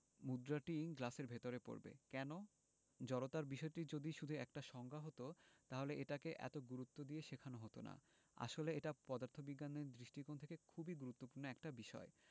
মুদ্রাটি গ্লাসের ভেতর পড়বে কেন জড়তার বিষয়টি যদি শুধু একটা সংজ্ঞা হতো তাহলে এটাকে এত গুরুত্ব দিয়ে শেখানো হতো না আসলে এটা পদার্থবিজ্ঞানের দৃষ্টিকোণ থেকে খুব গুরুত্বপূর্ণ একটা বিষয়